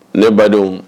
Ne badenw